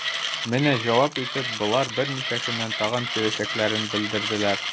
Моңа җавап итеп, болар берничә көннән тагын киләчәкләрен белдерделәр.